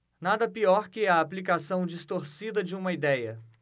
nada pior que a aplicação distorcida de uma idéia